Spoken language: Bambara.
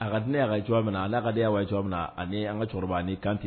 A ka di ne y ka cogo min na a kadenya y' ka cogo minna ani an ka cɛkɔrɔba ni kante